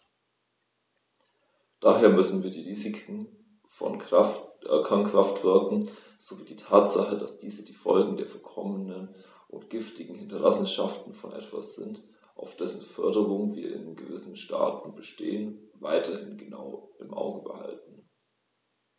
Daher müssen wir die Risiken von Kernkraftwerken sowie die Tatsache, dass diese die Folgen der verkommenen und giftigen Hinterlassenschaften von etwas sind, auf dessen Förderung wir in gewissen Staaten bestehen, weiterhin genau im Auge behalten.